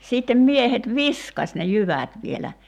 sitten miehet viskasi ne jyvät vielä